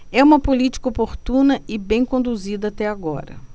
é uma política oportuna e bem conduzida até agora